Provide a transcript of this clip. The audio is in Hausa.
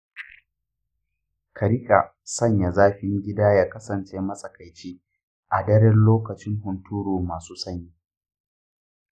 ka riƙa sanya zafin gida ya kasance matsakaici a daren lokacin hunturu masu sanyi.